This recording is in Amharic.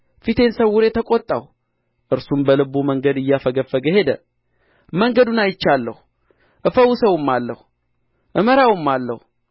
ፊቴን ሰውሬ ተቈጣሁ እርሱም በልቡ መንገድ እያፈገፈገ ሄደ መንገዱን አይቻለሁ እፈውሰውማለሁ እመራውማለሁ